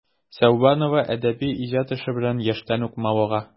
Сәүбанова әдәби иҗат эше белән яшьтән үк мавыга.